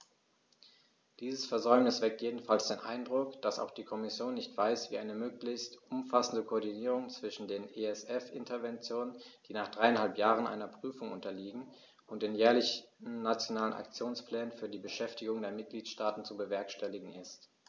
Dieses Versäumnis weckt jedenfalls den Eindruck, dass auch die Kommission nicht weiß, wie eine möglichst umfassende Koordinierung zwischen den ESF-Interventionen, die nach dreieinhalb Jahren einer Prüfung unterliegen, und den jährlichen Nationalen Aktionsplänen für die Beschäftigung der Mitgliedstaaten zu bewerkstelligen ist.